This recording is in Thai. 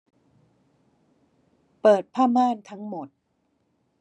เปิดผ้าม่านทั้งหมด